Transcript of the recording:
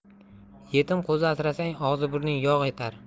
yetim qo'zi asrasang og'zi burning yog' etar